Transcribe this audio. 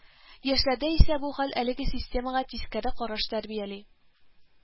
Яшьләрдә исә бу хәл әлеге системага тискәре караш тәрбияли